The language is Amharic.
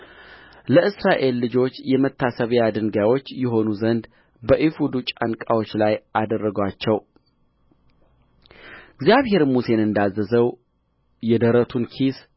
ለእስራኤል ልጆች የመታሰቢያ ድንጋዮች ይሆኑ ዘንድ በኤፉዱ ጫንቃዎች ላይ አደረጋቸው እግዚአብሔርም ሙሴን እንዳዘዘው የደረቱን ኪስ